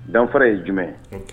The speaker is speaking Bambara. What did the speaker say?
Danfa ye jumɛn ye